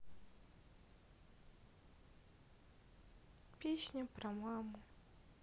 песня про маму